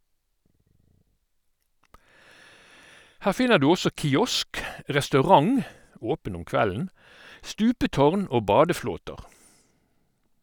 Her finner du også kiosk, restaurant (åpen om kvelden), stupetårn og badeflåter.